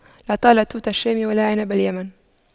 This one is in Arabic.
لا طال توت الشام ولا عنب اليمن